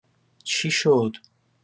چی شد؟